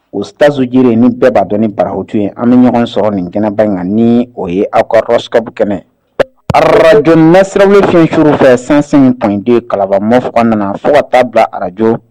Ustaz Djire ni bɛɛ b'a dɔn ni barawuti ye an be ɲɔgɔn sɔrɔ nin kɛnɛba in kan ni o ye aw ka horoscope kɛnɛ Radio Nasirawulen fiɲɛsuuru fɛ 105.2 Kalaban mɔf kɔnɔna na fo ka taa bila radio